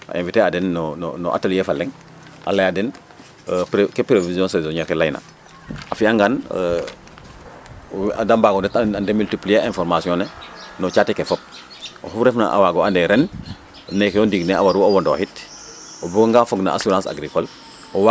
inviter a den no atelier fa leŋ a laya den ke prévision saisonniére ke layna a fi'angan da mbaag o ndet a demultiplier information ne no caate ke fop oxu refna a waag o ande ren neke yo ndiig ne a waru wondoxit o buganga fog no assurance agricole